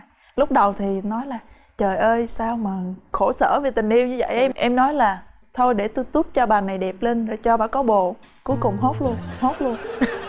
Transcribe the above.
lúc đầu thì nói là trời ơi sao mà khổ sở vì tình yêu giữ dậy em em nói là thôi để tui tút cho bà này đẹp lên để cho bà có bồ cuối cùng hốt luôn hốt luôn